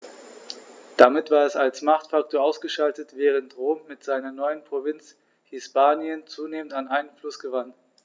Damit war es als Machtfaktor ausgeschaltet, während Rom mit seiner neuen Provinz Hispanien zunehmend an Einfluss gewann.